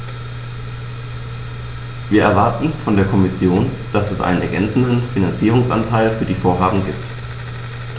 Wir erwarten von der Kommission, dass es einen ergänzenden Finanzierungsanteil für die Vorhaben gibt.